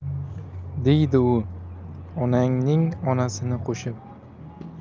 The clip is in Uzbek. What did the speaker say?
deydi u onangning onasini qo'shib